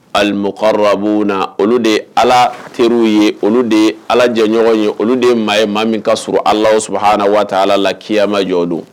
Aliro abu na olu de ye ala teriw ye olu de ye ala jɛ ɲɔgɔn ye olu de ye maa ye maa min ka sɔrɔ ala suhauna waati ala la k'iyama jɔ don